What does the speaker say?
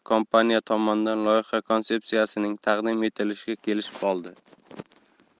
kompaniya tomonidan loyiha konsepsiyasining taqdim etilishga kelishib oldi